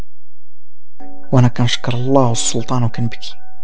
وانا اشكر الله السلطان كنبك